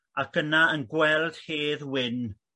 ac yna yn gweld Hedd Wyn